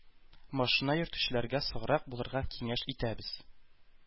Машина йөртүчеләргә саграк булырга киңәш итәбез,